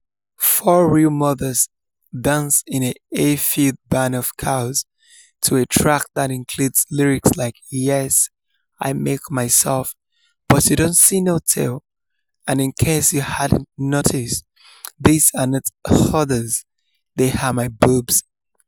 Four real mothers dance in a hay-filled barn of cows to a track that includes lyrics like: "Yes, I milk myself, but you don't see no tail" and "In case you hadn't noticed these are not udders, they're my boobs."